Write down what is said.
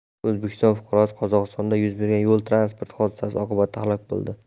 o'zbekiston fuqarosi qozog'istonda yuz bergan yo transport hodisasi oqibatida halok bo'ldi